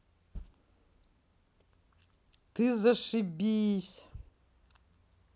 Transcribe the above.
ты зашибись